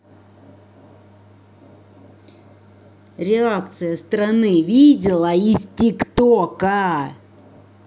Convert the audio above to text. реакция страна видела из тик тока